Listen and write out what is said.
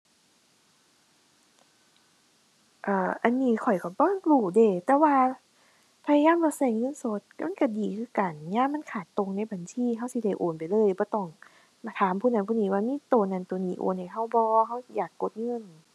เอ่อ อันนี้ข้อยก็บ่รู้เดะ แต่ว่าพยายามบ่ก็เงินสด มันก็ดีคือกัน ยามมันขาดต่งในบัญชีก็สิได้โอนไปเลย บ่ต้องมาถามผู้นั้นผู้นี้ว่ามีก็นั้นก็นี้โอนให้ก็บ่ ก็สิอยากกดเงิน